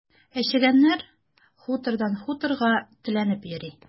Ә чегәннәр хутордан хуторга теләнеп йөри.